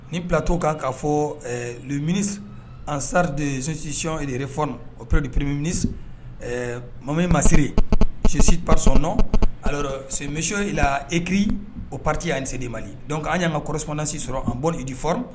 Ni bilatɔ kan k'a fɔ l mini an sari desisiɔn dere f o pur ppmem mini mama masiri sisi pasi nɔ a sen misisi la ekiri o p pati ani selen mali dɔnku' an y'an ka kɔrɔsɔnsi sɔrɔ an bɔdi fɔ